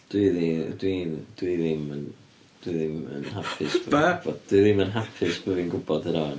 Dwi ddi- dwi'n- dwi ddim yn dwi ddim yn hapus bod... be?... dwi ddim yn hapus bo fi'n gwbod hynna 'wan.